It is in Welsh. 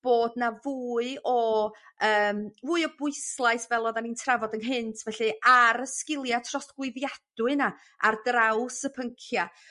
Bod 'na fwy o yym mwy o bwyslais fel oddan ni'n trafod ynghynt felly ar y sgilia trosglwyddiadwy 'na ar draws y pyncia'.